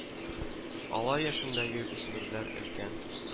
Алар яшендәге үсмерләр өлкән